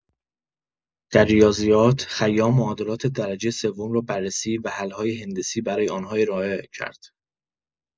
در ریاضیات، خیام معادلات درجه سوم را بررسی و حل‌های هندسی برای آنها ارائه کرد.